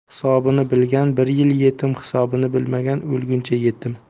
hisobini bilgan bir yil yetim hisobini bilmagan o'lguncha yetim